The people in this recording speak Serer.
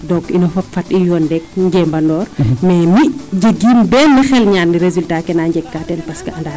Donc ino fop fat i yoon njemandoor mais mi' jegiim ben xel ñaar résultat ke naa njegka teen parce que andanum.